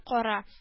Кара